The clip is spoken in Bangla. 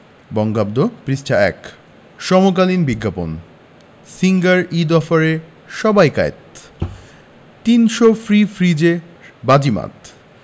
বঙ্গাব্দ পৃষ্ঠা – ১ সমকালীন বিজ্ঞাপন সিঙ্গার ঈদ অফারে সবাই কাত ৩০০ ফ্রি ফ্রিজে বাজিমাত